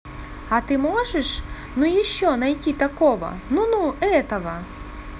а ты можешь ну еще найти такого ну ну этого